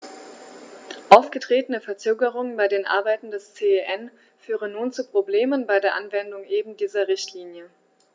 Aufgetretene Verzögerungen bei den Arbeiten des CEN führen nun zu Problemen bei der Anwendung eben dieser Richtlinie.